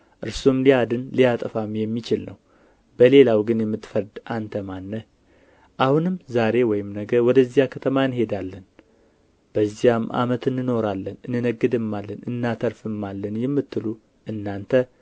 እርሱም ሊያድን ሊያጠፋም የሚችል ነው በሌላው ግን የምትፈርድ አንተ ማን ነህ አሁንም ዛሬ ወይም ነገ ወደዚህ ከተማ እንሄዳለን በዚያም ዓመት እንኖራለን እንነግድማለን እናተርፍማለን የምትሉ እናንተ